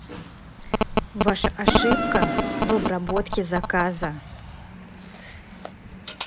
ваша ошибка в обработке заказа